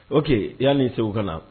O - ya ni seku ka